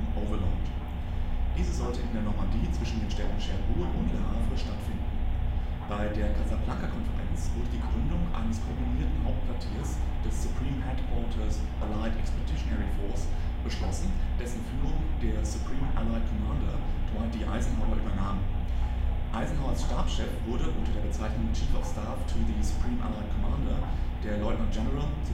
Overlord. Diese sollte in der Normandie zwischen den Städten Cherbourg und Le Havre stattfinden. Bei der Casablanca-Konferenz wurde die Gründung eines kombinierten Hauptquartiers, des Supreme Headquarters Allied Expeditionary Force, beschlossen, dessen Führung der Supreme Allied Commander Dwight D. Eisenhower übernahm. Eisenhowers Stabschef wurde, unter der Bezeichnung Chief of Staff to the Supreme Allied Commander, der Lieutenant-General (Generalleutnant